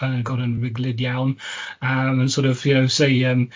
yn agor yn ruglyd iawn, yym and sor' of you know, say yym